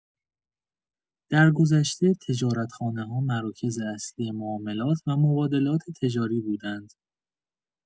درگذشته، تجارتخانه‌ها مراکز اصلی معاملات و مبادلات تجاری بودند.